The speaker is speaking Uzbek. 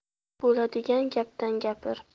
bo'ladigan gapdan gapir